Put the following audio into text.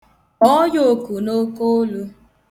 Kpọọ ya oku n' oke olu.